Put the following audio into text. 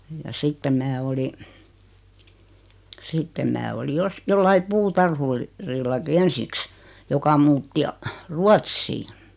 ja sitten minä olin sitten minä olin - jollakin - puutarhurillakin ensiksi joka muutti - Ruotsiin